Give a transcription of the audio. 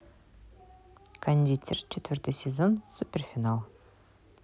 кондитер четвертый сезон супер финал